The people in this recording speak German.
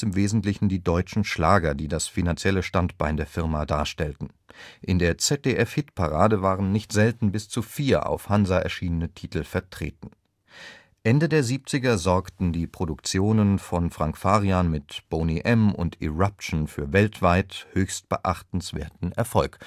Wesentlichen die deutschen Schlager, die das finanzielle Standbein der Firma darstellten. In der ZDF-Hitparade waren nicht selten bis zu vier auf Hansa erschienene Titel vertreten. Ende der Siebziger sorgten die Produktionen von Frank Farian mit Boney M. und Eruption für weltweit (mit Ausnahme der USA) höchst beachtenswerten Erfolg